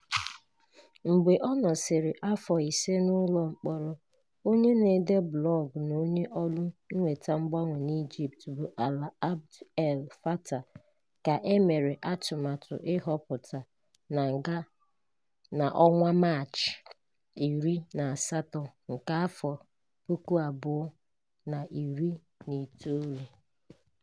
Mgbe ọ nọsịrị afọ ise n'ụlọ mkpọrọ, onye na-ede blọgụ na onye ọrụ mweta mgbanwe na Egypt bụ Alaa Abd El Fattah ka e mere atụmatụ itọhapụ na nga na March 17, 2019.